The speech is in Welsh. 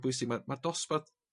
bwysig ma' ma'r dosbarth